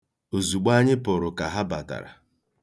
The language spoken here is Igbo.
Ozugbo anyị pụrụ ka ha batara.